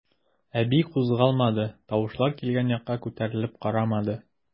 Әби кузгалмады, тавышлар килгән якка күтәрелеп карамады.